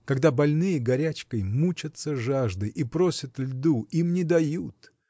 Когда больные горячкой мучатся жаждой и просят льду — им не дают.